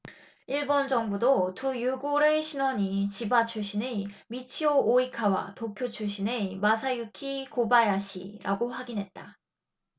일본 정부도 두 유골의 신원이 지바 출신의 미치오 오이카와 도쿄 출신의 마사유키 고바야시라고 확인했다